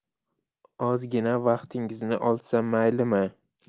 ozgina vaqtingizni olsam maylimi